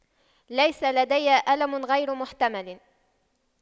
ليس لدي ألم غير محتمل